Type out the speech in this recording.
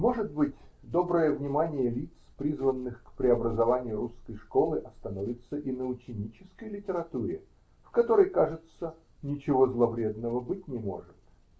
Может быть, доброе внимание лиц, призванных к преобразованию русской школы, остановится и на ученической литературе, в которой, кажется, ничего зловредного быть не может.